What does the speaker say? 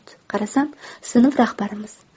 qarasam sinf rahbarimiz